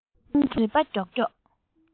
ཨ དྲུང དྲེལ པ མགྱོགས མགྱོགས